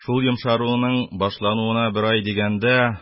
Шул йомшаруның башлануына бер ай дигәндә,